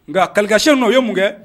Nka kalilikayɛn' o ye mun kɛ